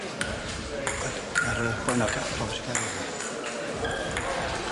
Yy ma'r yy yn galw chi.